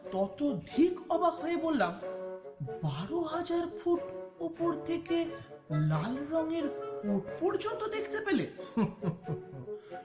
ততোধিক অবাক হয়ে বললাম ১২ হাজার ফুট ওপর থেকে লাল রংয়ের কোট পর্যন্ত দেখতে পেলে